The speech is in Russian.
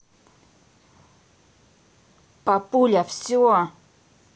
папуля все